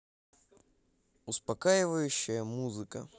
успокаивающая музыка